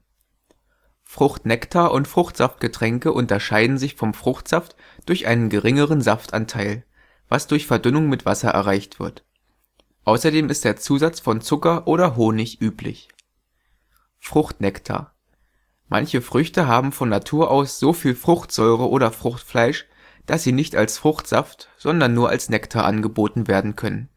Fruchtnektar und Fruchtsaftgetränke unterscheiden sich von Fruchtsaft durch einen geringeren Saftanteil, was durch Verdünnung mit Wasser erreicht wird. Außerdem ist der Zusatz von Zucker oder Honig üblich. Fruchtnektar: Manche Früchte haben von Natur aus so viel Fruchtsäure oder Fruchtfleisch, dass sie nicht als Fruchtsaft sondern nur als Nektar angeboten werden können